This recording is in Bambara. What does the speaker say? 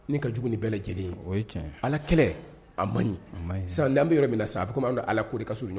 Nin ka jugu nin bɛɛ lajɛlen ye, o ye tiɲɛ ye, Ala kɛlɛ a man ɲi, a man ɲi, sisan na an bɛ yɔrɔ min na sisan a bɛ komi an ni Alako de ka su